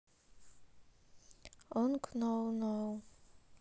онг ноу ноу